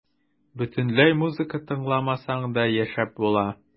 Бөтенләй музыка тыңламасаң да яшәп була.